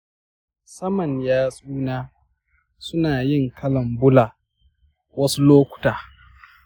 saman yatsu na suna yin kalan bula wasu lokuta.